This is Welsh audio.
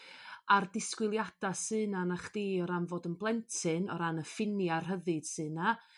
A'r disgwyliada sy 'na 'nach chdi o ran fod yn blentyn o ran y ffinia' rhyddid sy 'na